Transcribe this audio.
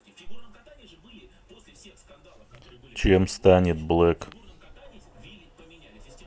чем станет black